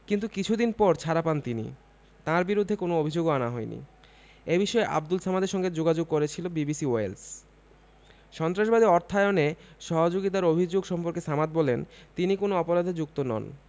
কিন্তু কিছুদিন পর ছাড়া পান তিনি তাঁর বিরুদ্ধে কোনো অভিযোগও আনা হয়নি এ বিষয়ে আবদুল সামাদের সঙ্গে যোগাযোগ করেছিল বিবিসি ওয়েলস সন্ত্রাসবাদে অর্থায়নে সহযোগিতার অভিযোগ সম্পর্কে সামাদ বলেন তিনি কোনো অপরাধে যুক্ত নন